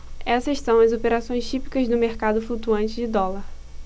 essas são as operações típicas do mercado flutuante de dólar